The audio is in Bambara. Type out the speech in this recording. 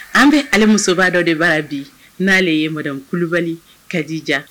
An bɛ ala musobaa dɔ de b bara bi n'ale ye m kulubali ka dija